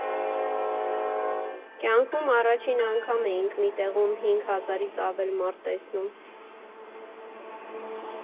Կյանքում առաջին անգամ էինք մի տեղում հինգ հազարից ավել մարդ տեսնում։